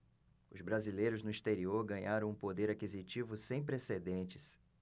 os brasileiros no exterior ganharam um poder aquisitivo sem precedentes